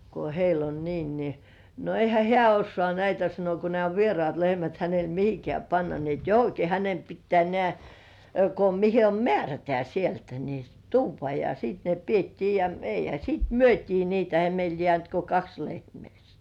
kun heillä on niin niin no eihän hän osaa näitä sanoi kun nämä on vieraat lehmät hänellä mihinkään panna niin että johonkin hänen pitää nämä kun mihin on määrätään sieltä niin tuoda ja sitten ne pidettiin ja eihän sitten myytiin niitä eihän meille jäänyt kuin kaksi lehmää siinä